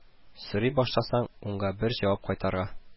Сорый башласаң, унга бер җавап кайтара